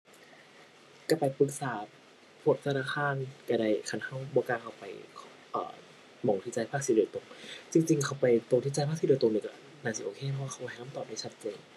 ก็ไปปรึกษาพวกธนาคารก็ได้ คันก็บ่กล้าเข้าไป เอ่อ หม้องที่จ่ายภาษีโดยตรง จริงจริงเข้าไปตรงที่จ่ายภาษีโดยตรงนี่ก็น่าสิโอเค เพราะเขาให้คำตอบได้ชัดเจน